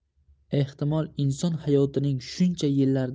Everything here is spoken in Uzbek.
ehtimol inson hayotining shuncha yillardan